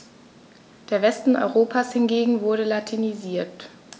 Der Westen Europas hingegen wurde latinisiert.